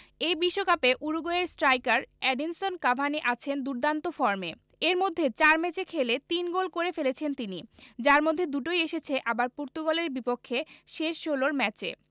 এই বিশ্বকাপে উরুগুয়ের স্ট্রাইকার এডিনসন কাভানি আছেন দুর্দান্ত ফর্মে এর মধ্যে ৪ ম্যাচে খেলে ৩ গোল করে ফেলেছেন তিনি যার মধ্যে দুটোই এসেছে আবার পর্তুগালের বিপক্ষে শেষ ষোলোর ম্যাচে